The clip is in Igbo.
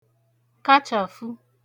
kachàfụ